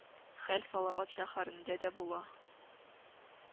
Хәл салават шәһәрендә дә була